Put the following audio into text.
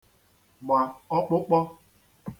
gbà ọkpụkpọ